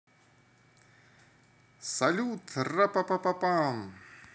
салют рапапапапам